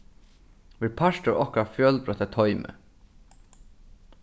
ver partur av okkara fjølbroytta toymi